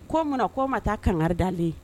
Ko munna' ma taa kanga dalenlen